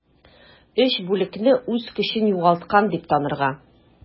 3 бүлекне үз көчен югалткан дип танырга.